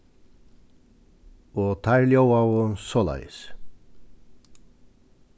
og teir ljóðaðu soleiðis